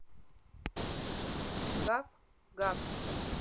гав гав